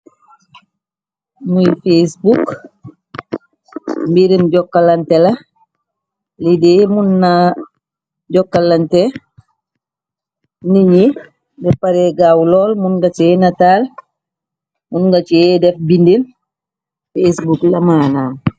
Muy facebook mbirim jokkalante la lidey mun na jokkalante ni ñi de paregaaw lool mun nga ciy natal mun nga ciey def bindim facebook lamaanaam.